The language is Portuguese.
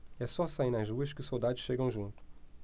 é só sair nas ruas que os soldados chegam junto